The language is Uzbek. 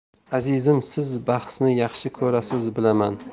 azizim siz bahsni yaxshi ko'rasiz bilaman